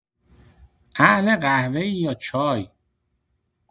اهل قهوه‌ای یا چای؟